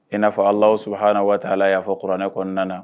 I n'a fɔ ala sɔrɔ haana waati ala y'a fɔ kuranɛ kɔnɔna na